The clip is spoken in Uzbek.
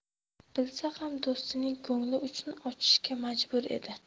bilsa ham do'stining ko'ngli uchun ochishga majbur edi